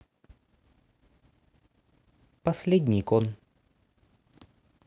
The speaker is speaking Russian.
последний кон